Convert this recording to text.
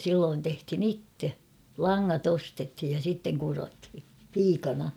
silloin tehtiin itse langat ostettiin ja sitten kudottiin piikana